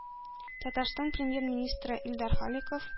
Татарстан Премьер-министры Илдар Халиков